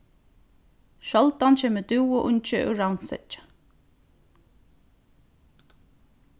sjáldan kemur dúvuungi úr ravnseggi